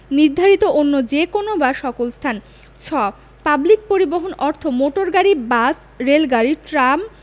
নির্ধারিত অন্য যে কোন বা সকল স্থান ছ পাবলিক পরিবহণ অর্থ মোটর গাড়ী বাস রেলগাড়ী ট্রাম